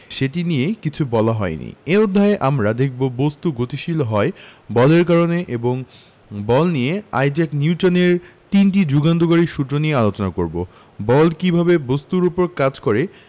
সেটি নিয়ে কিছু বলা হয়নি এই অধ্যায়ে আমরা দেখব বস্তু গতিশীল হয় বলের কারণে এবং বল নিয়ে আইজাক নিউটনের তিনটি যুগান্তকারী সূত্র নিয়ে আলোচনা করব বল কীভাবে বস্তুর উপর কাজ করে